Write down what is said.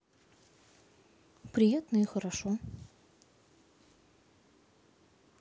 приятно и хорошо